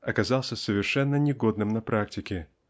оказался совершенно негодным на практике.